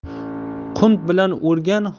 qunt bilan o'rgan